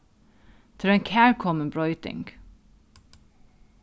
tað er ein kærkomin broyting